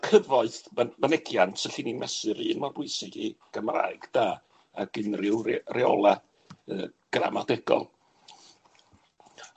cyfoeth, myn- mynegiant, allwn ni mesur un mor bwysig i Gymraeg da, ag unrhyw re- reola' yy gramadegol.